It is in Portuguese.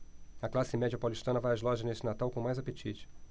a classe média paulistana vai às lojas neste natal com mais apetite